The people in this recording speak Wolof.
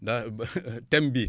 ndax thème bii